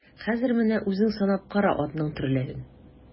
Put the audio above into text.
Хәзер менә үзең санап кара атның төрләрен.